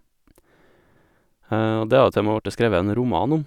Og det har jo til og med vorti skrevet en roman om.